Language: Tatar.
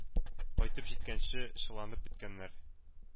Кайтып җиткәнче чыланып беткәннәр.